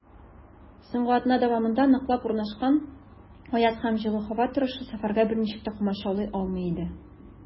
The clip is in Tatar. Соңгы атна дәвамында ныклап урнашкан аяз һәм җылы һава торышы сәфәргә берничек тә комачаулый алмый иде.